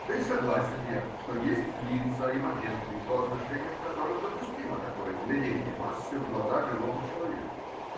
Да и согласен я, что есть лица и моменты, по отношению к которым допустимо такое глядение массы в глаза живому человеку.